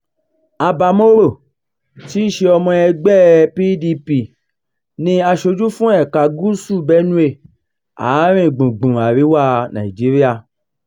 Abba Moro, tí í ṣe ọmọ ẹgbẹ́ẹ PDP, ni aṣojú fún ẹ̀ka Gúúsù Benue, àárín gbùngbùn àríwá Nàìjíríà.